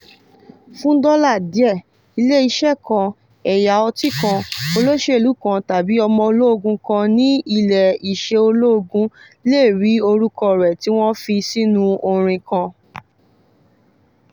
Fún dọ́là díẹ̀, "ilé iṣẹ́ kan, ẹ̀yà ọtí kan, olóṣèlú kan, tàbí ọmọ ológun kan ní ilé iṣẹ́ ológun" le rí orúkọ rẹ̀ tí wọ́n fi sínú orin kan.